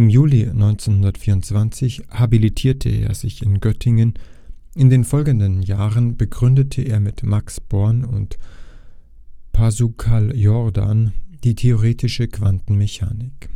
Juli 1924 habilitierte er sich in Göttingen. In den folgenden Jahren begründete er mit Max Born und Pascual Jordan die theoretische Quantenmechanik